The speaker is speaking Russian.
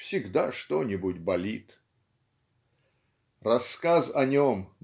всегда что-нибудь болит"! Рассказ о нем